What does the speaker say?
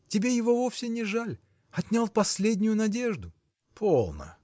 Тебе его вовсе не жаль: отнял последнюю надежду. – Полно!